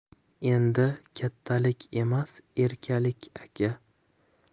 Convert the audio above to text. endi kattalik emas erkalik aka